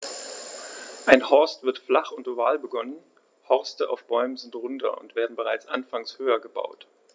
Ein Horst wird flach und oval begonnen, Horste auf Bäumen sind runder und werden bereits anfangs höher gebaut.